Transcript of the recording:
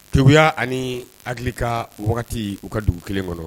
Kegunya ani hakili ka wagati u ka dugu kelen kɔnɔ